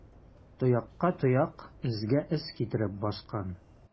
Тоякка тояк, эзгә эз китереп баскан.